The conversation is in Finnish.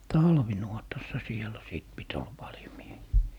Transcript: talvinuotassa siellä sitten piti olla paljon miehiä